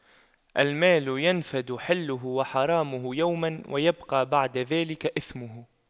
المال ينفد حله وحرامه يوماً ويبقى بعد ذلك إثمه